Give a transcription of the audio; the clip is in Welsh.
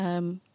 yym